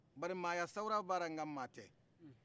bari maaya sawura bala nga maa tɛ